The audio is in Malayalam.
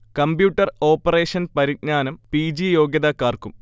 കംപ്യൂട്ടർ ഓപ്പറേഷൻ പരിജ്ഞാനം പി. ജി യോഗ്യതക്കാർക്കും